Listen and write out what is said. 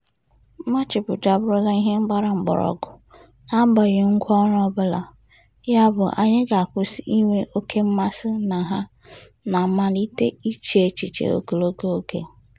"Mmachibido abụrụla ihe gbara mgbọrọgwụ, n'agbanyeghị ngwaọrụ ọbụla, yabụ anyị ga-akwụsị inwe oké mmasị na ha ma malite iche echiche ogologo oge."